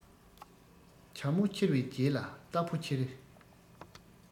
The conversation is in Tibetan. བྱ མོ ཁྱེར བའི རྗེས ལ རྟ ཕོ འཁྱེར